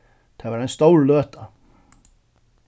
tað var ein stór løta